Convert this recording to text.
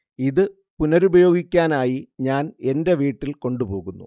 ഇത് പുനരുപയോഗിക്കാനായി ഞാൻ എന്റെ വീട്ടിൽ കൊണ്ട് പോകുന്നു